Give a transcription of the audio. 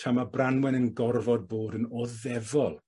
tra ma' Branwen yn gorfod bod yn oddefol.